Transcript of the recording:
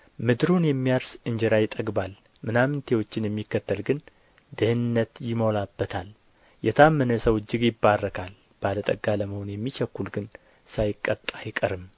ምድሩን የሚያርስ እንጀራ ይጠግባል ምናምንቴዎችን የሚከተል ግን ድህነት ይሞላበታል የታመነ ሰው እጅግ ይባረካል ባለጠጋ ለመሆን የሚቸኵል ግን ሳይቀጣ አይቀርም